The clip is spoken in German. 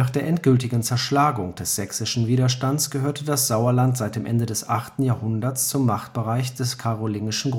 der endgültigen Zerschlagung des sächsischen Widerstands gehörte das Sauerland seit dem Ende des 8. Jahrhunderts zum Machtbereich des karolingischen